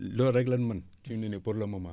loolu rekk la nu mën fi mu ne nii pour le moment